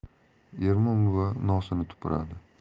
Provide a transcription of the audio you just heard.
ermon buva nosini tupuradi